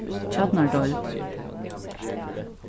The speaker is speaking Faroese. tjarnardeild